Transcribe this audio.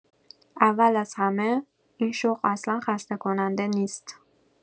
اول از همه، این شغل اصلا خسته‌کننده نیست.